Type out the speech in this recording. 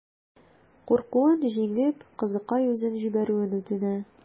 Куркуын җиңеп, кызыкай үзен җибәрүен үтенә.